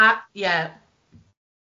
A ie.